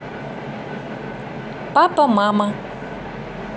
папа мама